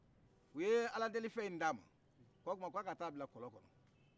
u ye ala deli fɛn in d'ama k'o kuma k' aka taa bila kɔlɔn kɔnɔn